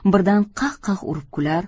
birdan qah qah urib kular